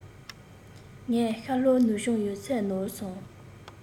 ངས ཤར ལྷོ ནུབ བྱང ཡོད ཚད ནོར སོང